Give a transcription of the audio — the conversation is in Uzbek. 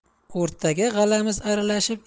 o'rtaga g'alamis aralashib